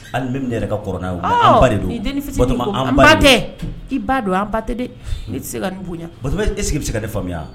Hali ne min yɛrɛ ka kɔrɔ n'a ye , ɔɔ, an ba don, an ba tɛ , i ba don , an ba tɛ dɛ, nin de nin fitinin in ko an ba, i ba don, ne ba tɛ , ne tɛ se ka se ka nin bonya , ka Batɔma, est - ce que i bɛ se ka n faamuya wa?